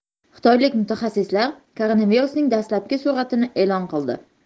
xitoylik mutaxassislar koronavirusning dastlabki suratini e'lon qildi